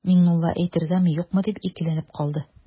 Миңнулла әйтергәме-юкмы дип икеләнеп калды.